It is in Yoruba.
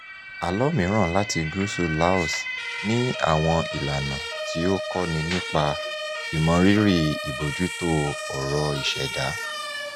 Àlọ́ mìíràn láti gúúsù Laos ní àwọn ìlànà tí ó kọ́ni nípa ìmọrírìi ìbójútó ọrọ̀ ìṣẹ̀dá: